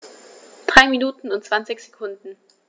3 Minuten und 20 Sekunden